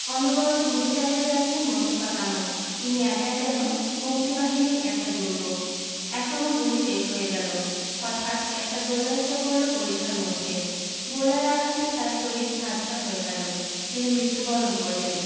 অনবরত গুলি চালিয়ে যাচ্ছেন মোস্তফা কামাল তিনি একাই যেন মুক্তিবাহিনীর একটা দুর্গ একসময় গুলি শেষ হয়ে গেল হটাঠ একটা গোলা এসে পড়ল পরিখার মধ্যে গোলার আঘাতে তার শরীর ঝাঁঝরা হয়ে গেল তিনি মৃত্যুবরণ করলেন